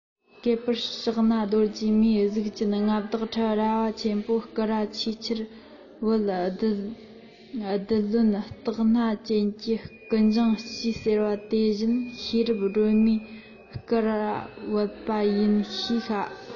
ག པར ཕྱག ན རྡོ རྗེ མིའི གཟུགས ཅན མངའ བདག ཁྲི རལ ཆེན པོ སྐུ ར ཆེས ཆེར བད བསྟུན བདུད བློན སྟག སྣ ཅན གྱིས སྐུ མཇིང གཅུས ཟེར བ དེ བཞིན ཤེས རབ སྒྲོལ མས སྐུ ར བད པ ཡིན ཤས ཁ